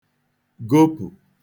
gopụ̀